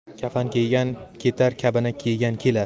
kafan kiygan ketar kebanak kiygan kelar